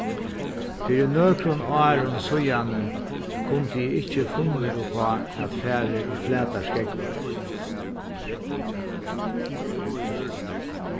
fyri nøkrum árum síðani kundi eg ikki funnið upp á at farið í flatar skógvar